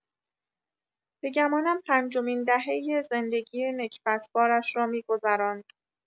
به گمانم پنجمین دهۀ زندگی نکبت‌بارش را می‌گذراند.